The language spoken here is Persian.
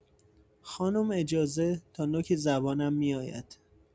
خانم اجازه تا نوک زبانم می‌آید.